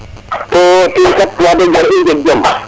to tige kat wag deg pour i njeg jam